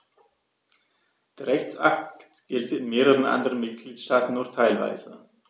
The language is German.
Der Rechtsakt gilt in mehreren anderen Mitgliedstaaten nur teilweise.